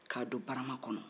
k'a don barama kɔnɔ